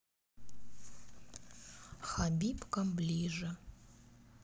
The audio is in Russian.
хабибка ближе